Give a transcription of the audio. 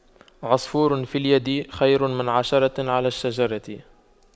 عصفور في اليد خير من عشرة على الشجرة